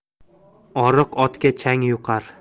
oriq otga chang yuqar